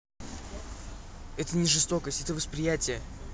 это не жестокость это восприятие